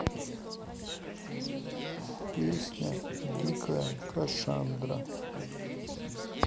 песня дикая кошандра